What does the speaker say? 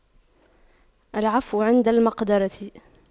العفو عند المقدرة